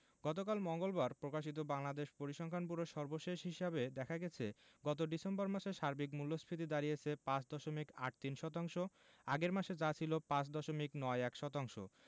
গতকাল মঙ্গলবার প্রকাশিত বাংলাদেশ পরিসংখ্যান ব্যুরোর সর্বশেষ হিসাবে দেখা গেছে গত ডিসেম্বর মাসে সার্বিক মূল্যস্ফীতি দাঁড়িয়েছে ৫ দশমিক ৮৩ শতাংশ আগের মাসে যা ছিল ৫ দশমিক ৯১ শতাংশ